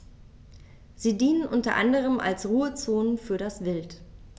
Sie dienen unter anderem als Ruhezonen für das Wild.